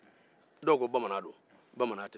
dɔw ko bamanan don